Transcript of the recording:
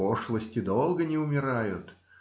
пошлости долго не умирают,